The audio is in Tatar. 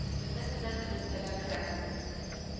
Безнең белән элемтәгә керә